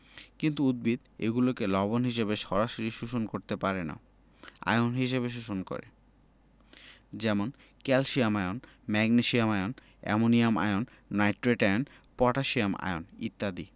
কিন্তু উদ্ভিদ এগুলোকে লবণ হিসেবে সরাসরি শোষণ করতে পারে না আয়ন হিসেবে শোষণ করে যেমন calcium ion magnesium ion ammonium ion nitrate ion potassium ion ইত্যাদি